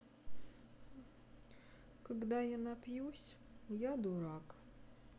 когда я напьюсь я дурак